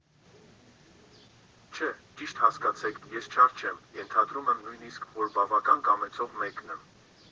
Չէ՛, ճիշտ հասկացեք՝ ես չար չեմ, ենթադրում եմ նույնիսկ, որ բավական կամեցող մեկն եմ։